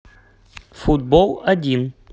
футбол один